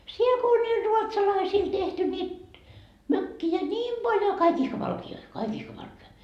siellä kun oli niille ruotsalaisille tehty niitä mökkejä niin paljon kaikki ihka valkeita kaikki ihka valkeita